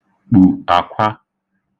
kpù àkwa